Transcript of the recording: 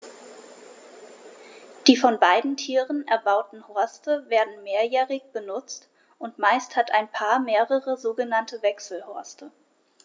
Die von beiden Tieren erbauten Horste werden mehrjährig benutzt, und meist hat ein Paar mehrere sogenannte Wechselhorste.